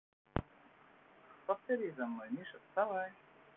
повтори за мной миша вставай